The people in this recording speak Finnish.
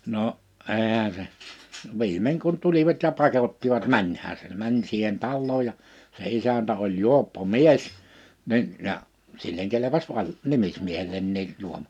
no eihän se viimein kun tulivat ja pakottivat menemään se meni siihen taloon ja se isäntä oli juoppo mies niin ja sille kelpasi - nimismiehellekin -